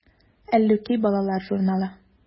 “әллүки” балалар журналы.